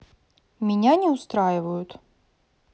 меня не устраивают